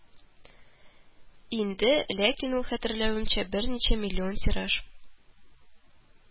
Инде, ләкин ул, хәтерләвемчә, берничә миллион тираж